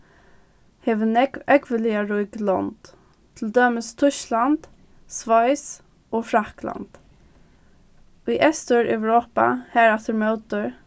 hevur nógv ógvuliga rík lond til dømis týskland sveis og frakland í eystureuropa harafturímóti